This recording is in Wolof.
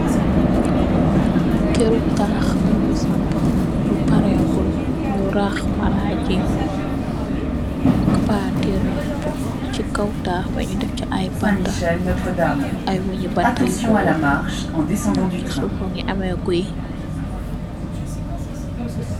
Keru tax bunyi sampou bu parengule nyu rax marage yi palenter nyu upu si kaw taxba nyideffa ayy banta ayy wenyi banta yuko worr si suffangi ameh guyi.